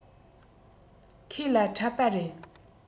ཁོས ལ འཁྲབ པ རེད